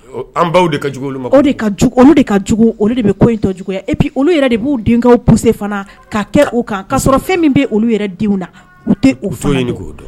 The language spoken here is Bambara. An baw de ka olu de olu de bɛ in to jugu epi olu yɛrɛ de b' denkɛ pse fana' kɛ u kan ka'a sɔrɔ fɛn min bɛ olu yɛrɛ denw na u